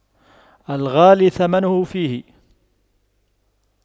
الغالي ثمنه فيه